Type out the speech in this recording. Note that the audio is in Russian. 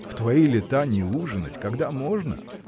В твои лета не ужинать, когда можно!